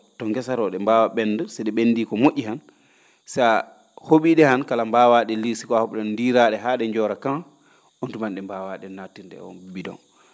to ngesa roo ?e mbaawa ?enndu si ?e ?enndii ko mo??i han so a ho?ii ?e han kala mbaaawa ?e liir siko a ho?ii ?e ran ndiiraa?e haa ?e njora kan oon tuman mbaawaa?e naattinde he oon bidon